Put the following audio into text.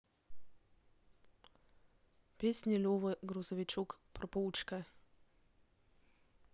песни лева грузовичок про паучка